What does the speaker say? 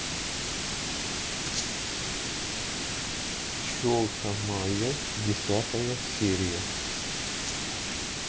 пчелка майя десятая серия